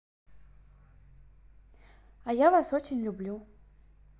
а я вас очень люблю